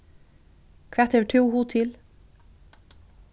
hvat hevur tú hug til